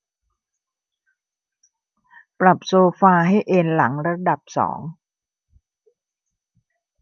ปรับโซฟาให้เอนหลังระดับสอง